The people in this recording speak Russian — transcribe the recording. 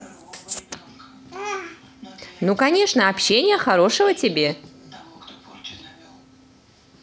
ну конечно общение хорошего тебе